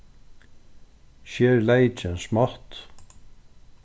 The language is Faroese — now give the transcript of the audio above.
sker leykin smátt